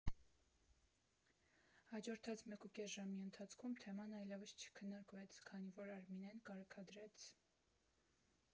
Հաջորդած մեկուկես ժամի ընթացքում թեման այլևս չքննարկվեց, քանի որ Արմինեն կարգադրեց.